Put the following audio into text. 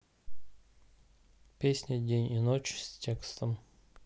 песня день и ночь с текстом